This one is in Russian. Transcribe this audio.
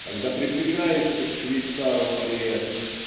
Когда приближается к швейцару Мариэтт